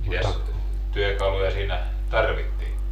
mitäs työkaluja siinä tarvittiin